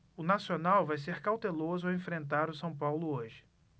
o nacional vai ser cauteloso ao enfrentar o são paulo hoje